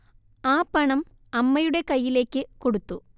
ആ പണം അമ്മയുടെ കയ്യിലേക്ക് കൊടുത്തു